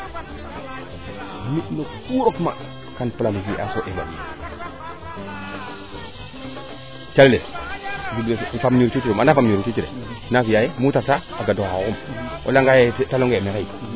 o ku rokuuma kam planifier an so ndeta den keene na fiyaa ye mute reta a gadooxa o leya ngaaye te leyoonge